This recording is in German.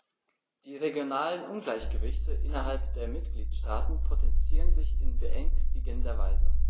Die regionalen Ungleichgewichte innerhalb der Mitgliedstaaten potenzieren sich in beängstigender Weise.